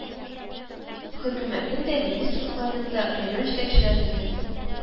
Хөкүмәтнең дә, министрлыкларның да, район җитәкчеләренең дә